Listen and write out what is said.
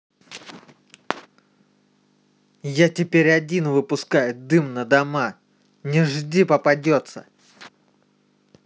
я теперь один выпускаю дым на дома не жди попадется